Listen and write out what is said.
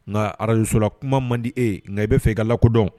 Nka arazsola kuma man di e nka i bɛa fɛ i ka lakɔdɔn